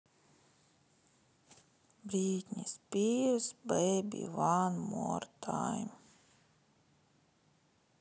бритни спирс бейби ван мор тайм